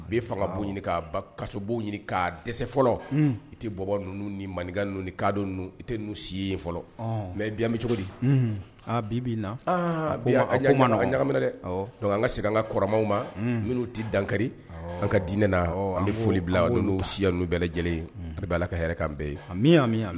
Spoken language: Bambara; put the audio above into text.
Ibo k' dɛsɛ fɔlɔ i tɛ bɔ ninnuu ni manin ka i tɛ nu si ye fɔlɔ mɛ bi bɛ cogo di aa bi' na ɲa dɛ an ka segin an ka kɔrɔmaw ma minnu tɛ dankari an ka diinɛ na ani foli bila n' si bɛɛ lajɛlen ye b' ala la ka hɛrɛ an bɛɛ ye